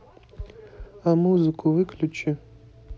а музыку выключи